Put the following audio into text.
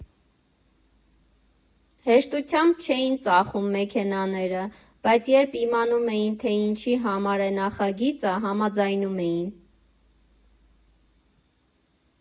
Հեշտությամբ չէին ծախում մեքենաները, բայց երբ իմանում էին, թե ինչի համար է նախագիծը, համաձայնում էին։